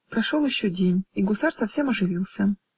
Прошел еще день, и гусар совсем оправился.